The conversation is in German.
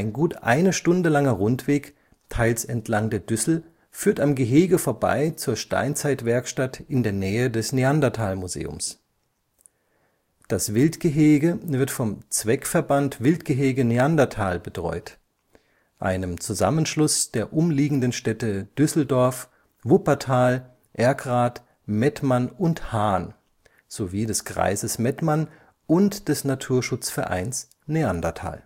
gut eine Stunde langer Rundweg, teils entlang der Düssel, führt am Gehege vorbei zur Steinzeitwerkstatt in der Nähe des Neanderthal Museums. Das Wildgehege wird vom Zweckverband Wildgehege Neandertal betreut, einem Zusammenschluss der umliegenden Städte Düsseldorf, Wuppertal, Erkrath, Mettmann und Haan, sowie des Kreises Mettmann und des Naturschutzvereins Neandertal